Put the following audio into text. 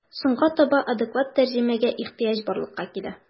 Соңга таба адекват тәрҗемәгә ихҗыяҗ барлыкка килә.